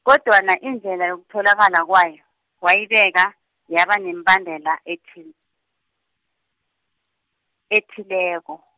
kodwana indlela yokutholaka kwayo, wayibeka, yaba nemibandela, ethi-, ethileko.